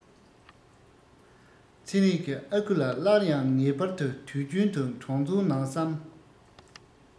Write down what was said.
ཚེ རིང གི ཨ ཁུ ལ སླར ཡང ངེས པར དུ དུས རྒྱུན དུ གྲོང ཚོའི ནང བསམ